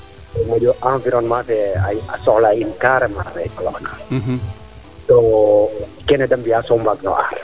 roog moƴu environnement fee a soxla in carrement to keee de mbiya soom waag no aar